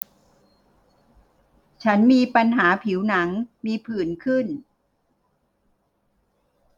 ฉันมีปัญหาผิวหนังมีผื่นขึ้น